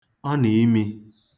ọnìimī